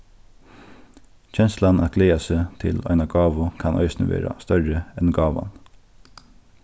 kenslan at gleða seg til eina gávu kann eisini vera størri enn gávan